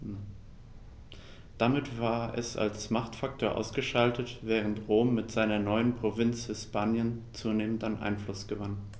Damit war es als Machtfaktor ausgeschaltet, während Rom mit seiner neuen Provinz Hispanien zunehmend an Einfluss gewann.